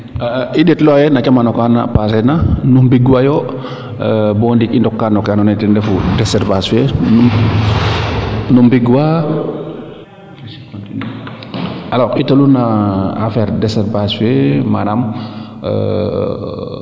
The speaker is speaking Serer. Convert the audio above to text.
i ndet looxa ye no camano kaana passer na nu mbingwa yo bo ndiik i ndoka no kee ando naye ten refu deshervage fee nu mbing waa alors i tolu naa affaire deshervage fee manaan